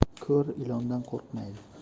ko'r ilondan qo'rqmaydi